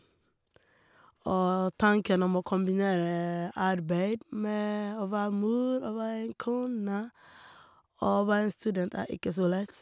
Og tanken om å kombinere arbeid med å være mor og være en kone og være en student, er ikke så lett.